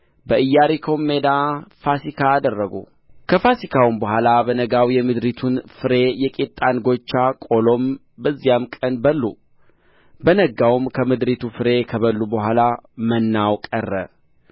በኢያሪኮ ሜዳ ፋሲካ አደረጉ ከፋሲካውም በኋላ በነጋው የምድሪቱን ፍሬ የቂጣ እንጎቻ ቆሎም በዚያው ቀን በሉ በነጋውም ከምድሪቱ ፍሬ ከበሉ በኋላ መናው ቀረ